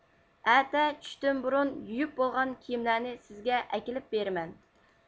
ئەتە چۈشتىن بۇرۇن يۇيۇپ بولغان كىيىملەرنى سىزگە ئەكىلىپ بېرىمەن